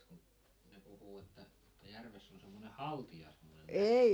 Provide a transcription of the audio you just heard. mutta kun ne puhuu että järvessä oli semmoinen haltija semmoinen